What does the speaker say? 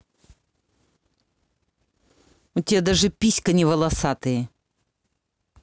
у тебя даже писька не волосатые